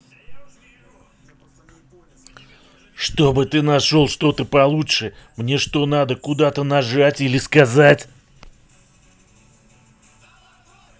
чтобы ты нашел что то получше мне что надо куда то нажать или сказать